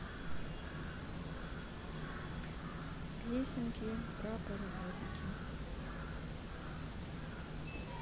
песенки про паровозики